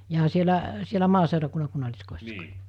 jaa siellä siellä maaseurakunnan kunnalliskodissako